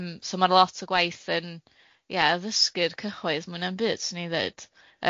yym so ma' lot o'r gwaith yn ia addysgu'r cyhoedd, mwy na'm byd 'swn i'n ddeud.